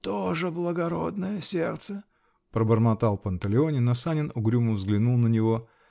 -- Тоже благородное сердце, -- пробормотал Панталеоне, но Санин угрюмо взглянул на него.